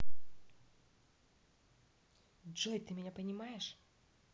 джой ты меня понимаешь